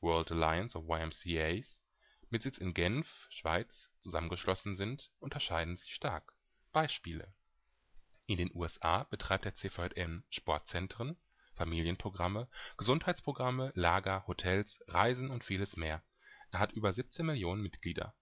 (World Alliance of YMCA 's) mit Sitz in Genf (Schweiz) zusammengeschlossen sind, unterscheiden sich stark. Beispiele: In den USA betreibt der CVJM Sportzentren, Familienprogramme, Gesundheitsprogramme, Lager, Hotels, Reisen und vieles mehr. Er hat über 17 Millionen Mitglieder